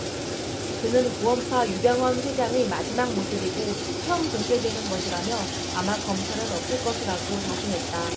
그는 구원파 유병언 회장의 마지막 모습이고 처음 공개되는 것이라며 아마 검찰은 없을 것이라고 자신했다